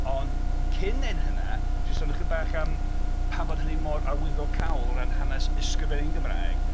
Ond cyn neud hynna. Dwi isio sôn chydig bach am pam bod hynny mor awyddocaol o ran hanes ysgrifennu yn Gymraeg.